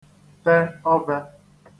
te ọvẹ̄